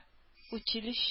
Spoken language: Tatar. Училище